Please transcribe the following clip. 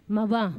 Ma